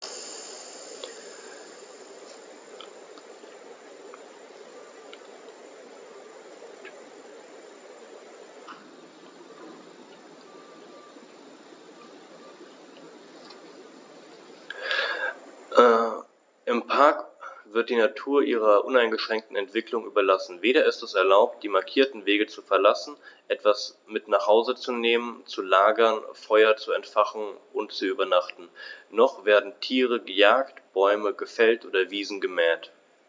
Im Park wird die Natur ihrer uneingeschränkten Entwicklung überlassen; weder ist es erlaubt, die markierten Wege zu verlassen, etwas mit nach Hause zu nehmen, zu lagern, Feuer zu entfachen und zu übernachten, noch werden Tiere gejagt, Bäume gefällt oder Wiesen gemäht.